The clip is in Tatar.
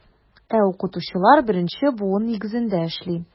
Ә укытучылар беренче буын нигезендә эшли.